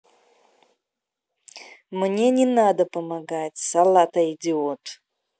мне не надо помогать салата идиот